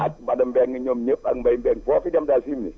ak Bada Mbengue ñoom ñëpp ak Mbaye Mbengue foo si dem daal fii mu ne